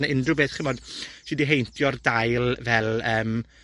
ne' unryw beth, ch'mod, sy 'di heintio'r dail, fel yym,